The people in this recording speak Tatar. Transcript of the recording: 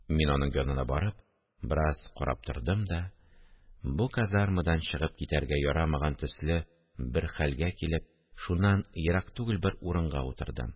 Мин аның янына барып, бераз карап тордым да, бу казармадан чыгып китәргә ярамаган төсле бер хәлгә килеп, шуннан ерак түгел бер урынга утырдым